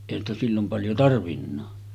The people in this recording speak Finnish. eihän sitä silloin paljon tarvinnutkaan